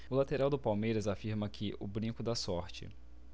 o lateral do palmeiras afirma que o brinco dá sorte